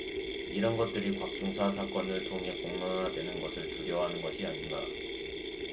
이런 것들이 곽 중사 사건을 통해 공론화되는 것을 두려워하는 것이 아닌가